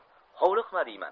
hovliqma deyman